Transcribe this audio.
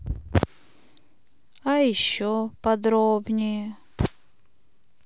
а еще подробнее